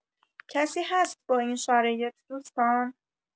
کسی هست با این شرایط دوستان؟